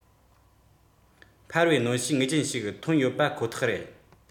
འཕར བའི གནོན ཤུགས ངེས ཅན ཞིག ཐོན ཡོད པ ཁོ ཐག རེད